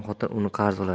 yomon xotin un qarz olar